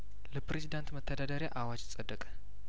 ለፕሬዝዳንት መተዳደሪያ አዋጅ ጸደቀ